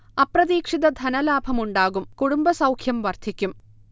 അപ്രതീക്ഷിത ധനലാഭം ഉണ്ടാകും കുടുംബസൗഖ്യം വർധിക്കും